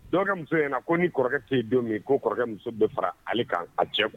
Dɔgɔ muso in na ko ni kɔrɔkɛ'i don min ko kɔrɔkɛ muso bɛ fara ale kan a cɛ